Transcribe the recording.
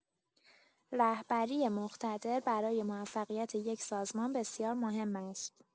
رهبری مقتدر برای موفقیت یک سازمان بسیار مهم است.